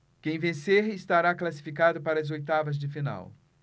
quem vencer estará classificado para as oitavas de final